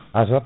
azote